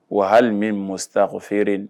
Wa hali bɛ muta o feere